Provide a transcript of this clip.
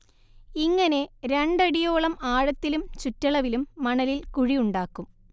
ഇങ്ങനെ രണ്ടടിയോളം ആഴത്തിലും ചുറ്റളവിലും മണലിൽ കുഴിയുണ്ടാക്കും